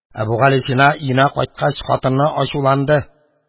Әбүгалисина, өенә кайткач, хатынын ачуланды